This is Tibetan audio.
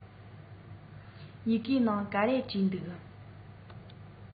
ཡི གེའི ནང ག རེ བྲིས འདུག